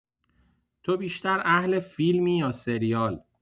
تو بیشتر اهل فیلمی یا سریال؟